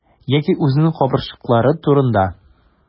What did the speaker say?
Яки үзенең кабырчрыклары турында.